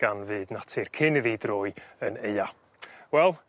gan fyd natur cyn iddi droi yn Aea. wel